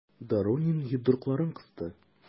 Доронин йодрыкларын кысты.